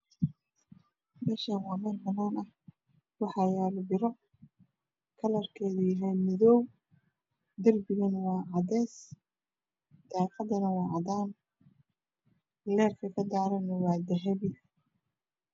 Meeshaan waa meel bannaan ah, waxa yaalo biro colorkeedu yahay madow, derbika ne waa cadays, daaqada ne waa caddan, larka ka daaran ne waa dahabi.